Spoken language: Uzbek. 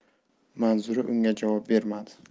manzura unga javob bermadi